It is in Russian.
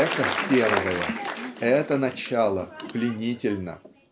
Это первое, это начало пленительно.